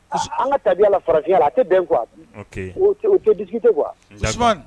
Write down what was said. An ka tabiya la farafinna a tɛ bɛn quoi , ok, o tɛ discuté quoi, daccord , Usumani